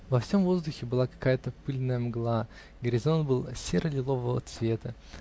Во всем воздухе была какая-то пыльная мгла, горизонт был серо-лилового цвета